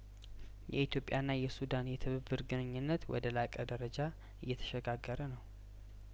የኢትዮጵያ ና የሱዳን የትብብር ግንኙነት ወደ ላቀ ደረጃ እየተሸጋገረ ነው